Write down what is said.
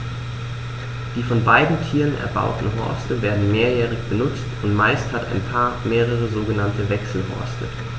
Die von beiden Tieren erbauten Horste werden mehrjährig benutzt, und meist hat ein Paar mehrere sogenannte Wechselhorste.